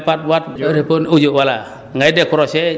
soit ñu envoyer la ko par SMS oubien par waa